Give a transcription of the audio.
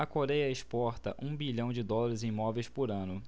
a coréia exporta um bilhão de dólares em móveis por ano